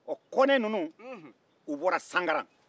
ɔ kɔnɛ ninnu u bɔra sankaran